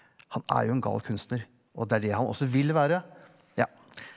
han er jo en gal kunstner og det er det han også vil være ja.